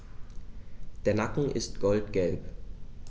Der Nacken ist goldgelb.